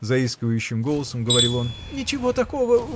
— заискивающим голосом говорил он, — я — ничего такого.